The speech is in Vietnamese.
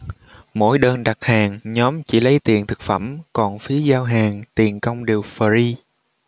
mỗi đơn đặt hàng nhóm chỉ lấy tiền thực phẩm còn phí giao hàng tiền công đều free